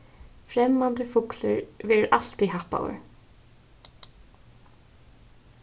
fremmandur fuglur verður altíð happaður